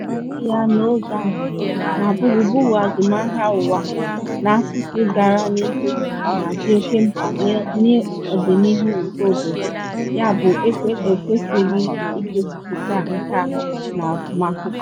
Enweghị ike ịgọnarị ya n’oge a, na gburugburu azụmahịa ụwa, na asụsụ gara n’ihu na adị oke mkpa n’ọdịnihu nke obodo, yabụ ekwesịrị igosipụta nke a n’agụmakwụkwọ.